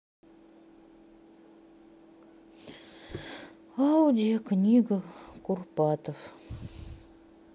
аудиокнига курпатов